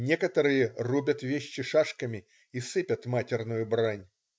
Некоторые рубят вещи шашками и сыпят матерную брань.